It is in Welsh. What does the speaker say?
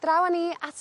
draw a ni at...